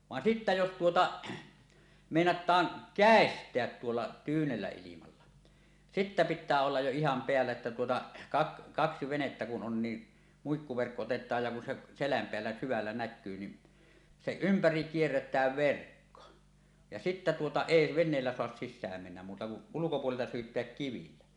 vaan sitten jos tuota meinataan käestää tuolla tyynellä ilmalla sitten pitää olla jo ihan päällä että tuota - kaksi venettä kun on niin muikkuverkko otetaan ja kun se selän päällä syvällä näkyy niin sen ympäri kierretään verkko ja sitten tuota ei veneellä saa sisään mennä muuta kuin ulkopuolelta syytää kivillä